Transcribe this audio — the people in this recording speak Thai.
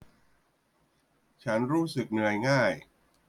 ฉันรู้สึกเหนื่อยง่าย